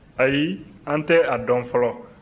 ayi an tɛ a dɔn fɔlɔ